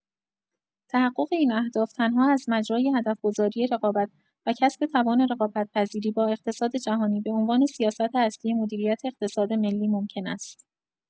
تحقق این اهداف، تنها از مجرای هدف‌گذاری رقابت، و کسب توان رقابت‌پذیری با اقتصاد جهانی به عنوان سیاست اصلی مدیریت اقتصاد ملی ممکن است.